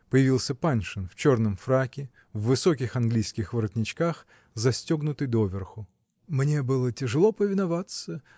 Появился Паншин, в черном фраке, в высоких английских воротничках, застегнутый доверху. "Мне было тяжело повиноваться